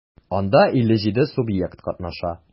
Анда 57 субъект катнаша.